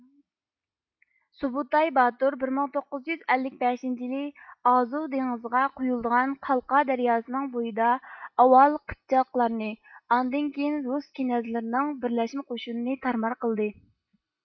سۇبۇتاي باتۇر بىر مىڭ توققۇز يۇز ئەللىك بەشىنچى يىلى ئازۇۋ دېڭىزىغا قۇيۇلىدىغان قالقا دەرياسىنىڭ بويىدا ئاۋۋال قىپچاقلارنى ئاندىن كېيىن رۇس كېنەزلىرىنىڭ بىرلەشمە قوشۇنىنى تارمار قىلدى